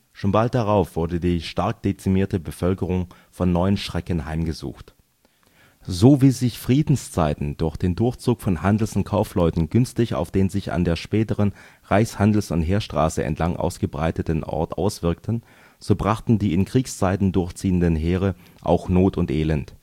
Schon bald darauf wurde die stark dezimierte Bevölkerung von neuen Schrecken heimgesucht. So wie sich Friedenszeiten durch den Durchzug von Handels - und Kaufleuten günstig auf den sich an der der späteren Reichs -, Handels - und Heerstraße entlang ausgebreiteten Ort auswirkten, so brachten die in Kriegszeiten durchziehenden Heere auch Not und Elend